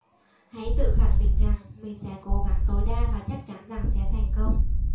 hãy tự khẳng định rằng mình sẽ cố gắng tối đa và chắc chắn rằng sẽ thành công